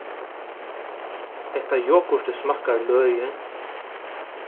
hetta jogurtið smakkar løgið